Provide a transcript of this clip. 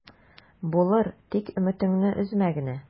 Булыр, тик өметеңне өзмә генә...